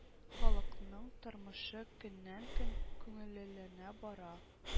Халыкның тормышы көннән-көн күңеллеләнә бара